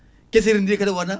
kisiri ndi kadi wona